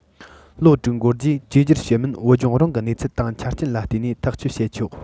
ལོ དྲུག འགོར རྗེས བཅོས བསྒྱུར བྱེད མིན བོད ལྗོངས རང གི གནས ཚུལ དང ཆ རྐྱེན ལ བལྟས ནས ཐག གཅོད བྱེད ཆོག